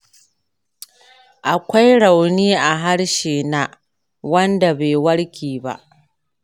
akwai rauni a harshe na wanda bai warke ba.